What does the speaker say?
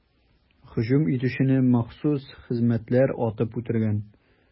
Һөҗүм итүчене махсус хезмәтләр атып үтергән.